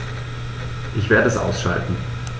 Ich werde es ausschalten